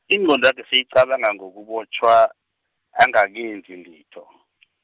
ingqondwakhe seyicabanga ngokubotjhwa, angakenzi litho .